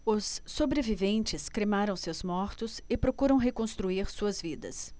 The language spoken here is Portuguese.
os sobreviventes cremaram seus mortos e procuram reconstruir suas vidas